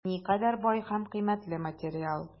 Никадәр бай һәм кыйммәтле материал!